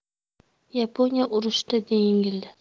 yaponiya urushda yengildi